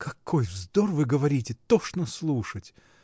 — Какой вздор вы говорите — тошно слушать!